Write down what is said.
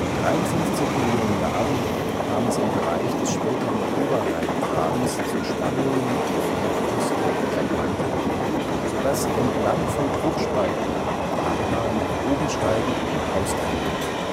53 Millionen Jahren kam es im Bereich des späteren Oberrheingrabens zu Spannungen in Erdkruste und - mantel (siehe auch Lagerung des Buntsandsteins), so dass entlang von Bruchspalten Magma nach oben steigen und austreten konnte